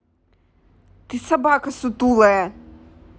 ты собака сутулая